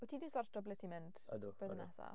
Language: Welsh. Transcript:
Wyt ti 'di sortio ble ti'n mynd... Odw odw ...Blwyddyn nesaf?